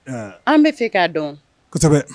An bɛ fɛ k'a dɔn kosɛbɛ